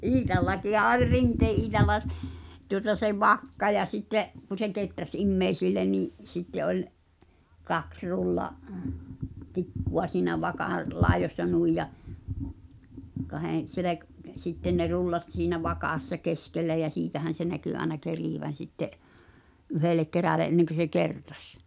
Iitallakin oli Rinteen Iitalla - tuota se vakka ja sitten kun se kehräsi ihmisille niin sitten oli kaksi - rullatikkua siinä vakan laidoissa noin ja kahden - sitten ne rullat siinä vakassa keskellä ja siitähän se näkyi aina kerivän sitten yhdelle kerälle ennen kuin se kertasi